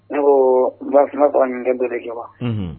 N ko kumauran nin kɛ dɔ kɛ wa